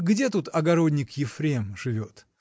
— Где тут огородник Ефрем живет?